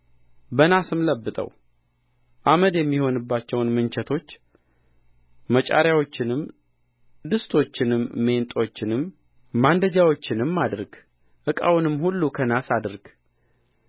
በናስም ለብጠው አመድ የሚሆንባቸውን ምንቸቶች መጫሪያዎቹንም ድስቶቹንም ሜንጦቹንም ማንደጃዎቹንም አድርግ ዕቃውንም ሁሉ ከናስ አድርግ